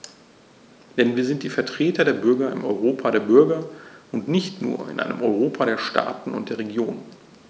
Denn wir sind die Vertreter der Bürger im Europa der Bürger und nicht nur in einem Europa der Staaten und der Regionen.